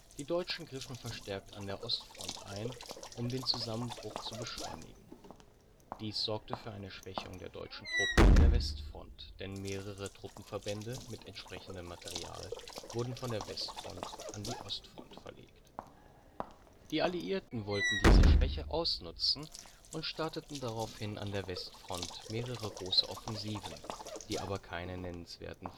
Die Deutschen griffen verstärkt an der Ostfront ein, um den Zusammenbruch zu beschleunigen. Dies sorgte für eine Schwächung der deutschen Truppen an der Westfront, denn mehrere Truppenverbände mit entsprechendem Material wurden von der Westfront an die Ostfront verlegt. Die Alliierten wollten diese Schwäche ausnutzen und starteten daraufhin an der Westfront mehrere große Offensiven, die aber keine nennenswerten